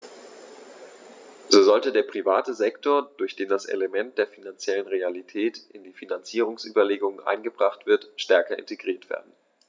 So sollte der private Sektor, durch den das Element der finanziellen Realität in die Finanzierungsüberlegungen eingebracht wird, stärker integriert werden.